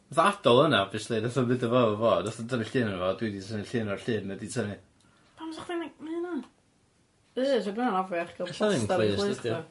Nath o adal yna obviously nath o mynd â fo efo fo nath o'm tynnu llun arno fo dwi 'di tynnu llun o'r llun mae 'di tynnu. Pam sa chdi'n neu'... Ma' ynna'n yy ca'l